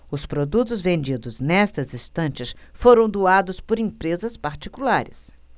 os produtos vendidos nestas estantes foram doados por empresas particulares